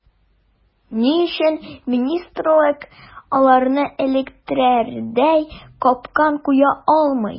Ни өчен министрлык аларны эләктерердәй “капкан” куя алмый.